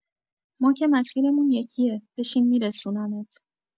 ما که مسیرمون یکیه، بشین می‌رسونمت.